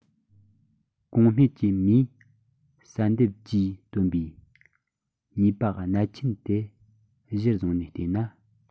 གོང སྨྲས ཀྱི མིས བསལ འདེམས ཀྱིས བཏོན པའི ནུས པ གནད ཆེན དེ གཞིར བཟུང ནས བལྟས ན